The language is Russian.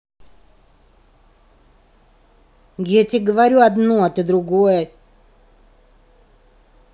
я тебе говорю одно а ты другой